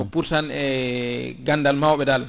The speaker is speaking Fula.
ko pour tan e gandal mawɓe dal